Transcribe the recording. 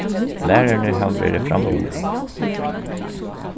lærararnir hava verið framúr